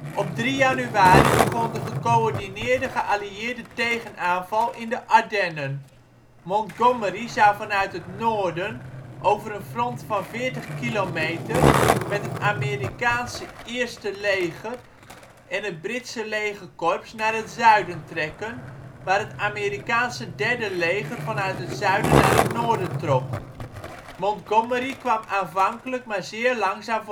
Op 3 januari begon de gecoördineerde geallieerde tegenaanval in de Ardennen. Montgomery zou vanuit het noorden, over een front van veertig kilometer, met het Amerikaanse 1e leger en een Brits legerkorps naar het zuiden trekken, waar het Amerikaanse 3e leger vanuit het zuiden naar het noorden trok. Montgomery kwam aanvankelijk maar zeer langzaam